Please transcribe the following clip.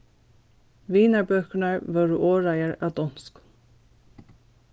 vinarbøkurnar vóru orðaðar á donskum